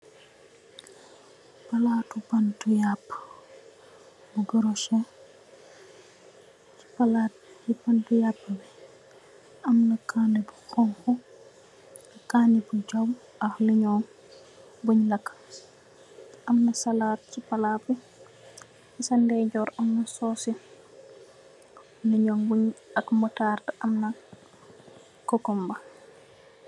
Palaatu bantë yaapu, palaat bi ñung ko duy yaapu wi, am na kaani bu xoñxa ak liñong buñg lakk, am na salad si palaa bi. Sa ndeyjoor, am na soosi, liñong ak murtada, am na kakumba.